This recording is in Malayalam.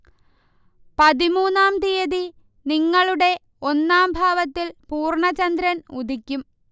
പതിമൂന്നാം തീയതി നിങ്ങളുടെ ഒന്നാം ഭാവത്തിൽ പൂർണ ചന്ദ്രൻ ഉദിക്കും